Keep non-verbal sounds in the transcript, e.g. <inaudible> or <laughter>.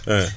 <hesitation>